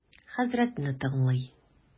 Хәзрәтне тыңлый.